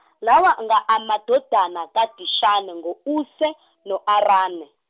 lawa angamadodana kaDishani ngo Use, no Arane.